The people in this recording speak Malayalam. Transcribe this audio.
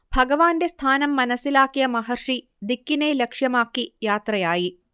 ഭഗവാന്റെ സ്ഥാനം മനസ്സിലാക്കിയ മഹർഷി ദിക്കിനെ ലക്ഷ്യമാക്കി യാത്രയായി